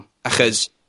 Achos